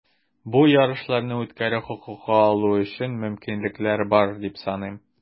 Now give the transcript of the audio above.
Бу ярышларны үткәрү хокукы алу өчен мөмкинлекләр бар, дип саныйм.